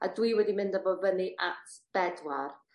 A dwi wedi mynd â fo fyny at bedwar.